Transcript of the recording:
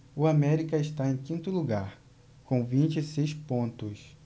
o américa está em quinto lugar com vinte e seis pontos